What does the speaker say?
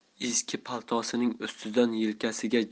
eski paltosining ustidan yelkasiga